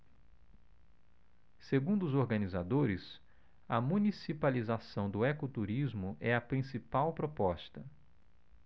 segundo os organizadores a municipalização do ecoturismo é a principal proposta